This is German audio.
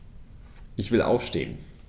Ich will aufstehen.